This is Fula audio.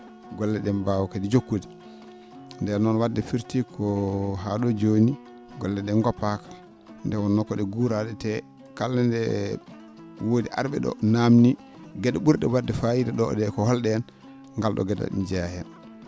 golle ?ee mbaawa kadi jokkude ndeen noon wadde firtii ko haa ?o jooni golle ?ee ngoppaaka nde wonnoo ko ?e guuraa?e te kala ?o nde woodi ar?e ?oo naamnii ge?e ?ur?e wa?de fayida ?oo ?ee ko hol?en heen ngal ?oo ge?al ina jeyaa heen